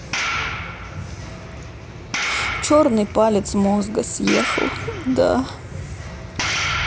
черный палец мозга съехала да